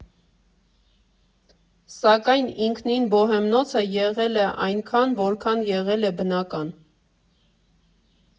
Սակայն ինքնին Բոհեմնոցը եղել է այնքան, որքան եղել է բնական։